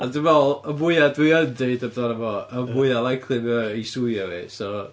Ond dwi'n meddwl, y mwya dwi yn deud amdano fo, y mwyaf likely ydy o i swio fi. So...